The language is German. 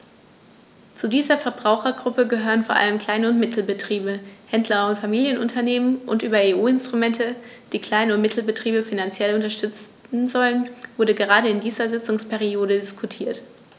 Zu dieser Verbrauchergruppe gehören vor allem Klein- und Mittelbetriebe, Händler und Familienunternehmen, und über EU-Instrumente, die Klein- und Mittelbetriebe finanziell unterstützen sollen, wurde gerade in dieser Sitzungsperiode diskutiert.